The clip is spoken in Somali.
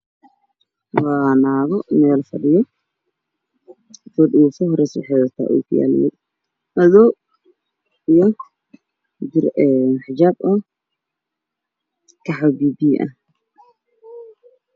Waa naago meel fadhiya gabadha ugu soo horreyso waxay wadataa ookiyaalo madow iyo xijaab oo qaxwi biyo biyo ah